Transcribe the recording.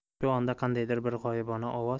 shu onda qandaydir bir g'oyibona ovoz